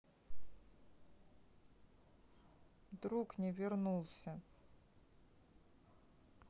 друг не вернулся